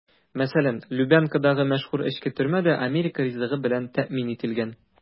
Мәсәлән, Лубянкадагы мәшһүр эчке төрмә дә америка ризыгы белән тәэмин ителгән.